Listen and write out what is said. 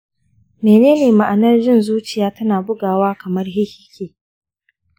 menene ma'anar jin zuciya tana buguwa kamar fiffike?